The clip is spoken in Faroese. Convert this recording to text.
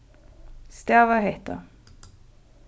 stava hetta